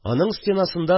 Аның стенасында